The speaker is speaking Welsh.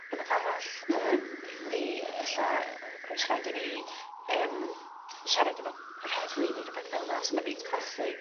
rhwbeth arall... M-hm. ...yym neu e'lla yy oes rhaid i ni yym siarad efo yr heddlu neu rwbath fel 'na so ma' reit posib